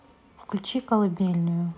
включи колыбельную